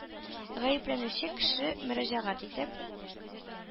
Гаепләнүче кеше, мөрәҗәгать итеп: